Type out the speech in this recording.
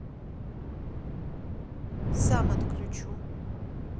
сам отключу